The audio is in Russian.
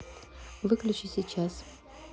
выключи сейчас